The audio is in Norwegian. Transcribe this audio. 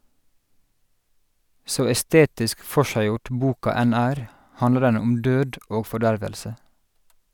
Så estetisk forseggjort boka enn er, handler den om død og fordervelse.